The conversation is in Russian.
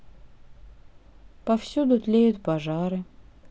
повсюду тлеют пожары